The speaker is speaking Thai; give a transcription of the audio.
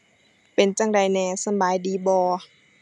เป็นจั่งใดแหน่ สำบายดีบ่